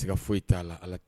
A se foyi t'a la ala tɛ